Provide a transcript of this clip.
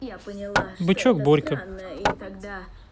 бычок борька